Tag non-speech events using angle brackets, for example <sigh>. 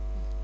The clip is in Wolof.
<hesitation>